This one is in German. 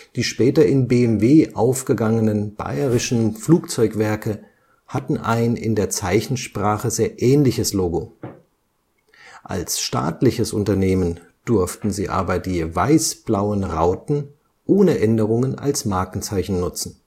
Die später in BMW aufgegangenen Bayerischen Flugzeugwerke hatten ein in der Zeichensprache sehr ähnliches Logo. Als staatliches Unternehmen durften sie aber die weiß-blauen Rauten ohne Änderungen als Markenzeichen nutzen